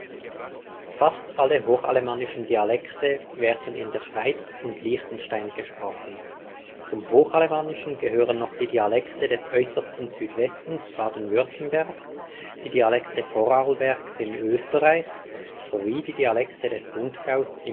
Fast alle hochalemannischen Dialekte werden in der Schweiz und Liechtenstein gesprochen. Zum Hochalemannischen gehören noch die Dialekte des äußersten Südwestens Baden-Württembergs, die Dialekte Vorarlbergs in Österreich sowie die Dialekte des Sundgaus